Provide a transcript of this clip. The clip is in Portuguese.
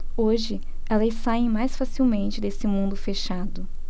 hoje elas saem mais facilmente desse mundo fechado